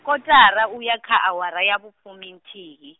kotara u ya kha awara ya vhu fuminthihi.